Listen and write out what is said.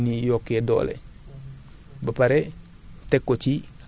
ñu xool naka la ñu sàmmee suñuy suuf